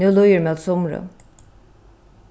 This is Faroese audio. nú líður móti sumri